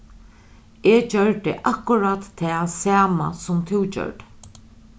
eg gjørdi akkurát tað sama sum tú gjørdi